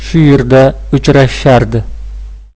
shu yerda uchrashardi